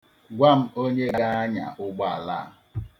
Gwa m onye ga-anya ụgbọala a.